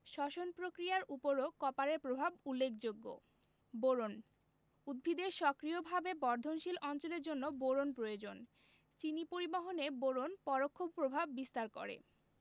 শ্বসন পক্রিয়ার উপরও কপারের প্রভাব উল্লেখযোগ্য বোরন উদ্ভিদের সক্রিয়ভাবে বর্ধনশীল অঞ্চলের জন্য বোরন প্রয়োজন চিনি পরিবহনে বোরন পরোক্ষ প্রভাব বিস্তার করে